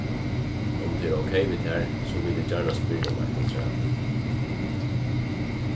um tað er ókey við tær so vil eg gjarna spyrja um eitt afturat